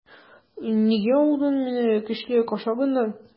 Нигә алдың мине көчле кочагыңа?